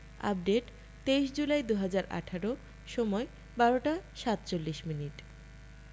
update ২৩ July ২০১৮ সময়ঃ ১২টা ৪৭মিনিট